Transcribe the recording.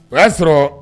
O y'a sɔrɔ